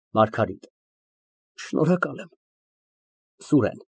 ՄԱՐԳԱՐԻՏ ֊ Շնորհակալ եմ։ ՍՈՒՐԵՆ ֊